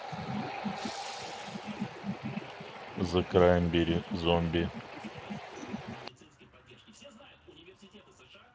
the краймбери зомби